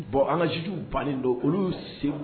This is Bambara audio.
Bon an ka jitu bannen don olu segu